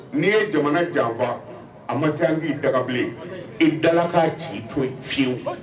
N'i ye jamana janfa a ma se'i dagabilen i da k' ci jɔ fiyewu